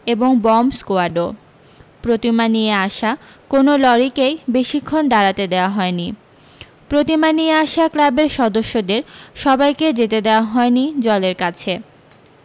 এবং বম্ব স্কোয়াডও প্রতিমা নিয়ে আসা কোনও লরিকেই বেশিক্ষণ দাঁড়াতে দেওয়া হয়নি প্রতিমা নিয়ে আসা ক্লাবের সদস্যদের সবাইকে যেতে দেওয়া হয়নি জলের কাছে